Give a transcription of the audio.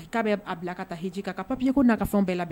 K'a bɛ a bila ka taa heji la, k'a ka papier ko n'a ka fɛnw bɛɛ labɛn